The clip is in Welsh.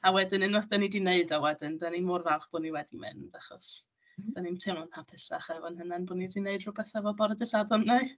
A wedyn, unwaith dan ni 'di wneud o wedyn, dan ni mor falch bod ni wedi mynd achos... m-hm. ...dan ni'n teimlo'n hapusach efo'n hunan bod ni 'di wneud rywbeth efo bore Dydd Sadwrn ni!